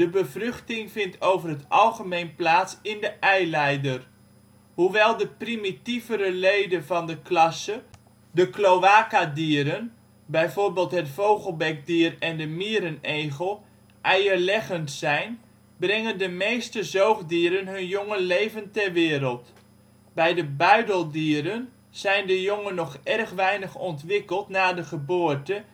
bevruchting vindt over het algemeen plaats in de eileider. Hoewel de primitievere leden van de klasse (de cloacadieren, bijvoorbeeld het vogelbekdier en de mierenegel) eierleggend zijn, brengen de meeste zoogdieren hun jongen levend ter wereld. Bij de buideldieren (Metatheria) zijn de jongen nog erg weinig ontwikkeld na de geboorte